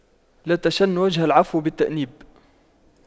لا تشن وجه العفو بالتأنيب